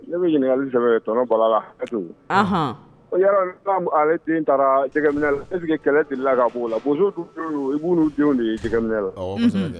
Ne bɛ ɲininkakali sɛbɛn tɔnɔ bɔra la o ale taara e kɛlɛ la k'' la i b'u denw de ye i la